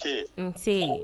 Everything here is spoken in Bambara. S s